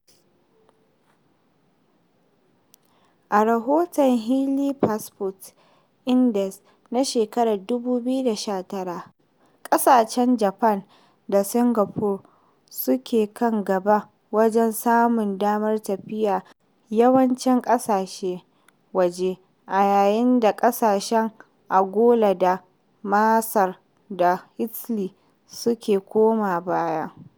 A rahoton Henley Passport Index na shekarar 2019, ƙasashen Japan da Singapore su ke kan gaba wajen samun damar tafiya yawancin ƙasashen waje, a yayin da ƙasashen Angola da Masar da Haiti su ke koma baya.